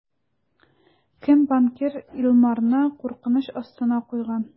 Кем банкир Илмарны куркыныч астына куйган?